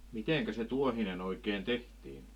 miten se tuohinen oikein tehtiin